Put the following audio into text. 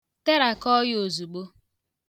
Terakọ ya ozugbo!